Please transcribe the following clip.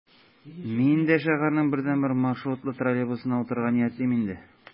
Мин дә шәһәрнең бердәнбер маршрутлы троллейбусына утырырга ниятлим инде...